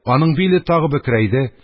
Аның биле тагы бөкрәйде,